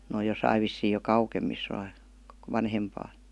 ne on jossakin vissiin jo kauemmissa - vanhempaa